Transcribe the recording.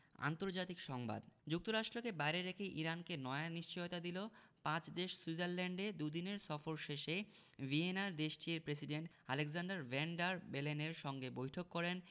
আন্তর্জাতিক সংবাদ যুক্তরাষ্ট্রকে বাইরে রেখেই ইরানকে নয়া নিশ্চয়তা দিল পাঁচ দেশ সুইজারল্যান্ডে দুদিনের সফর শেষে ভিয়েনায় দেশটির প্রেসিডেন্ট আলেক্সান্ডার ভ্যান ডার বেলেনের সঙ্গে বৈঠক করেন